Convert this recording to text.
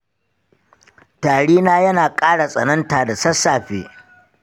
tari na yana ƙara tsananta da sassafe.